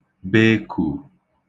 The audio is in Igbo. bēkù